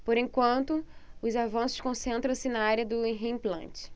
por enquanto os avanços concentram-se na área do reimplante